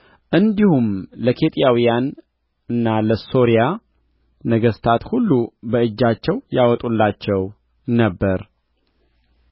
እንዲሁም ለኬጢያውያንና ለሶርያ ነገሥታት ሁሉ በእጃቸው ያወጡላቸው ነበር